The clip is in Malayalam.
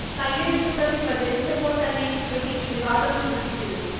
കയ്യെഴുത്തുപ്രതി പ്രചരിച്ചപ്പോൾ തന്നെ കൃതി വിവാദം സൃഷ്ടിച്ചിരുന്നു